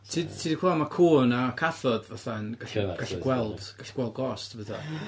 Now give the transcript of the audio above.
Ti ti 'di clywed ma' cŵn a cathod fatha'n gallu... Cyfarth ? ...gweld gallu gweld ghosts a petha?